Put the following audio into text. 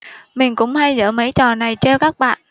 mình cũng hay dở mấy trò này trêu các bạn